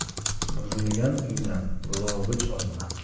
buzilgan uydan bulovich olma